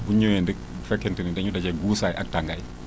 bu ñu ñëwee bu fekkente ni dañu dajeeg guusaay ak tàngaay